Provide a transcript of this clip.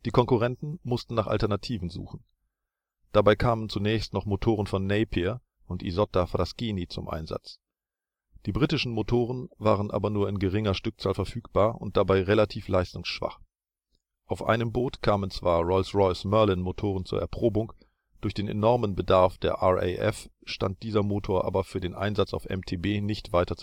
Konkurrenten mussten nach Alternativen suchen, dabei kamen zunächst noch Motoren von Napier und Isotta-Fraschini zum Einsatz. Die britischen Motoren waren aber nur in geringer Stückzahl verfügbar und dabei relativ leistungsschwach. Auf einem Boot kamen zwar Rolls-Royce Merlin Motoren zur Erprobung, durch den enormen Bedarf der RAF stand dieser Motor aber für den Einsatz auf MTB nicht weiter